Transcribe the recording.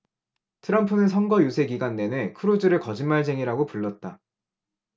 트럼프는 선거 유세 기간 내내 크루즈를 거짓말쟁이라고 불렀다